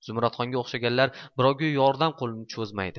zumradxonga o'xshaganlar birovga yordam qo'lini cho'zmaydi